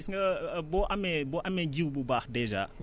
gis nga boo amee boo amee jiw bu baax dèjà